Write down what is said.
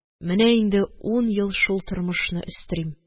Менә инде ун ел шул тормышны өстерим